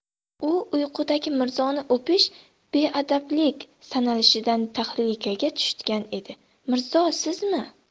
u uyqudagi mirzoni o'pish beadablik sanalishidan tahlikaga tushgan edi mirzo sizmi